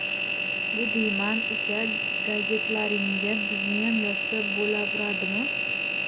bu diyman uka gazetlaringga bizniyam yozsa bo'lavuradimi